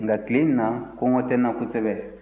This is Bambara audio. nka tile in na kɔngɔ tɛ n na kosɛbɛ